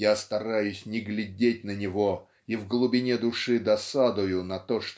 я стараюсь не глядеть на него и в глубине души досадую на то